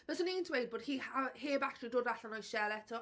Baswn i'n dweud bod hi ha- heb actually dod allan o'i shell eto.